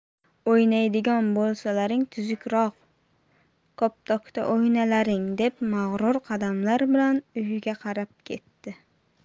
o'ynaydigan bo'lsalaring tuzukroq koptokda o'ynalaring deb mag'rur qadamlar bilan uyiga qarab ketdi